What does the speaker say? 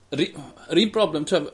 Yr u- o yy yr un problem t'wel' ma'...